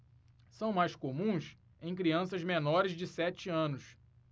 são mais comuns em crianças menores de sete anos